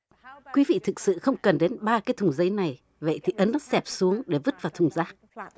quý vị thực sự không cần đến ba cái thùng giấy này vậy thì ấn nó xẹp xuống để vứt vào thùng rác